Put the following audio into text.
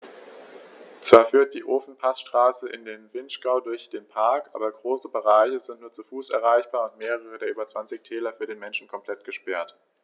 Zwar führt die Ofenpassstraße in den Vinschgau durch den Park, aber große Bereiche sind nur zu Fuß erreichbar und mehrere der über 20 Täler für den Menschen komplett gesperrt.